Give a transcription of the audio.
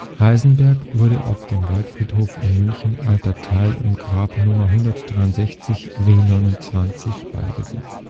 Heisenberg wurde auf dem Waldfriedhof in München/Alter Teil im Grab Nr. 163-W-29 beigesetzt